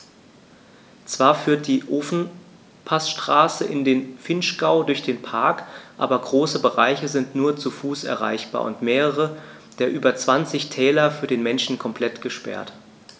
Zwar führt die Ofenpassstraße in den Vinschgau durch den Park, aber große Bereiche sind nur zu Fuß erreichbar und mehrere der über 20 Täler für den Menschen komplett gesperrt.